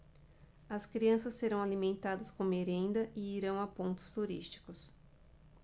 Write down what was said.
as crianças serão alimentadas com merenda e irão a pontos turísticos